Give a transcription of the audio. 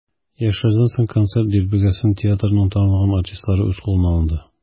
Яшьләрдән соң концерт дилбегәсен театрның танылган артистлары үз кулына алды.